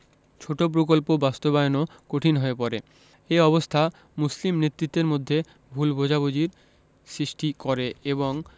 ছোট প্রকল্প বাস্তবায়নও কঠিন হয়ে পড়ে এ অবস্থা মুসলিম নেতৃত্বের মধ্যে ভুল বোঝাবুঝির সৃষ্টি করে এবং